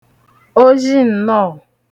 ozhinnọọ̀